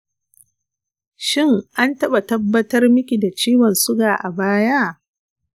shin an taɓa tabbatar miki da ciwon suga a baya?